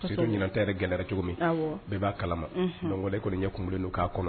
Surtout ɲinan ta yɛrɛ gɛlɛya la cogo min bɛɛ b'a kalama donc kɔni o la ɲɛ kumunlen do k'a kɔnɔ.